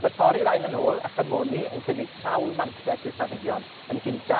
Ma' torri rain yn ôl, a chymoni, yn cynnig sawl mantes i'r planhigion. Yn gynta,